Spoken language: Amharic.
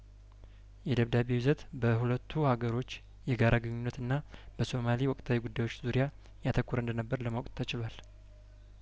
የደብዳቤው ይዘት በሁለቱ አገሮች የጋር ግንኙነት እና በሶማሌ ወቅታዊ ጉዳዮች ዙሪያ ያተኮረ እንደነበር ለማወቅ ተችሏል